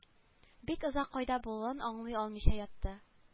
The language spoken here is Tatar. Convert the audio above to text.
Бик озак кайда булуын аңлый алмыйча ятты